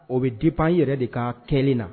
O bɛ di pan yɛrɛ de kan kɛ na